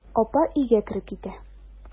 Апа өйгә кереп китә.